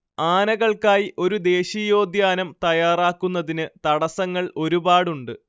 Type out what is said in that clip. ആനകൾക്കായി ഒരു ദേശീയോദ്യാനം തയ്യാറാക്കുന്നതിന് തടസ്സങ്ങൾ ഒരുപാടുണ്ട്